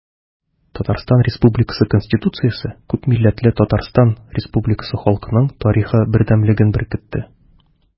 Татарстан Республикасы Конституциясе күпмилләтле Татарстан Республикасы халкының тарихы бердәмлеген беркетте.